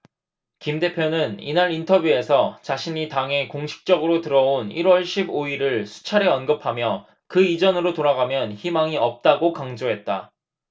김 대표는 이날 인터뷰에서 자신이 당에 공식적으로 들어온 일 월 십 오 일을 수차례 언급하며 그 이전으로 돌아가면 희망이 없다고 강조했다